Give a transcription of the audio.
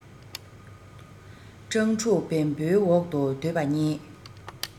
སྤྲང ཕྲུག བེམ པོའི འོག ཏུ སྡོད པ གཉིས